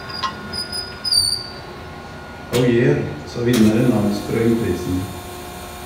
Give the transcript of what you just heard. Oh yeah, sa vinneren av Sproingprisen.